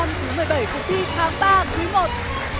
mười bảy cuộc thi tháng ba quý một